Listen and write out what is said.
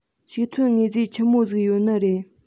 ཕྱུགས ཐོན དངོས རྫས ཆི མོ ཆི ཡོད ནི རེད